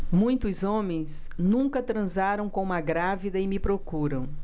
muitos homens nunca transaram com uma grávida e me procuram